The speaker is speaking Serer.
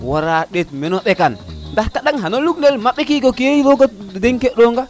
wara ɗeet meno mbekan ndax kaɗaŋ xano luɓ nel ma ɓekido ke roga ndekig ronga